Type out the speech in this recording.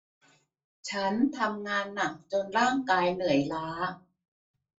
ฉันทำงานหนักจนร่างกายเหนื่อยล้า